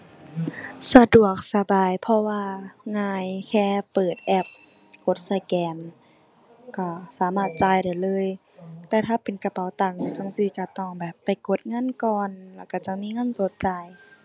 สะดวกสบาย เพราะว่าง่ายแค่เปิดแอปกดสแกน ก็สามารถจ่ายได้เลย แต่ถ้าเป็นกระเป๋าตังจั่งซี้ ก็ต้องแบบไปกดเงินก่อน แล้วก็จั่งมีเงินสดจ่าย